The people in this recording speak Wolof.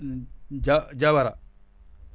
Dia Diawara